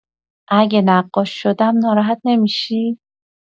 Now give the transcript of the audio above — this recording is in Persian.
اگه نقاش شدم، ناراحت نمی‌شی؟